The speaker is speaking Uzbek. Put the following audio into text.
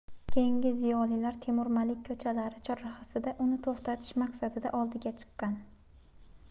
keyingi ziyolilar temur malik ko'chalari chorrahasida uni to'xtatish maqsadida oldiga chiqqan